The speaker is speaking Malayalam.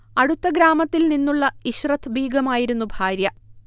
അടുത്ത ഗ്രാമത്തിൽ നിന്നുള്ള ഇശ്റത് ബീഗമായിരുന്നു ഭാര്യ